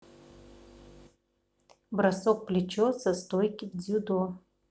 бросок плечо со стойки в дзюдо